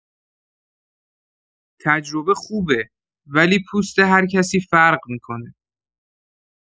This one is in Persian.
تجربه خوبه، ولی پوست هر کسی فرق می‌کنه.